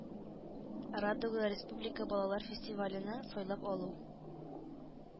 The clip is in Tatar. Радуга республика балалар фестиваленең сайлап алу